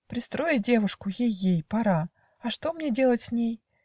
Пристроить девушку, ей-ей, Пора; а что мне делать с ней?